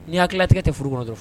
Ni hakili na tigɛ tɛ furu kɔnɔ dɔrɔn